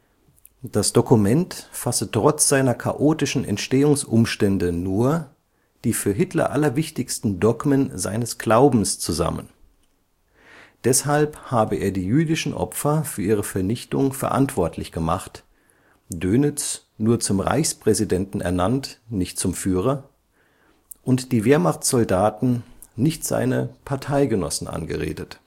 Das Dokument fasse trotz seiner chaotischen Entstehungsumstände nur „ die für Hitler allerwichtigsten Dogmen seines Glaubens “zusammen. Deshalb habe er die jüdischen Opfer für ihre Vernichtung verantwortlich gemacht, Dönitz nur zum Reichspräsidenten ernannt, nicht zum „ Führer “, und die Wehrmachtssoldaten, nicht seine Parteigenossen angeredet